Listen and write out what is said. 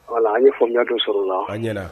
Wala an ye faamuyaya don sɔrɔla la h ɲɛana